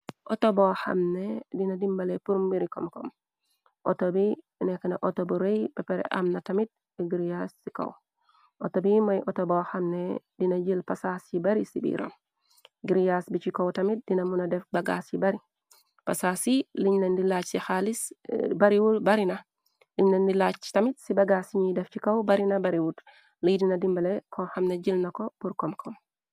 Autobo xamne dina dimbale rmi koko autobi nekkna auto bu rëy pepare am na ttouto bi mooy autobo xamne dina jël pasaas yi bari ci biram griyas bi ci kow tamit dina muna depasaas yi liñ na ndi laac ci tamit ci bagaa siñuy def ci kaw barina bariwuut liy dina dimbale kon xamne jël na ko pur kom kom.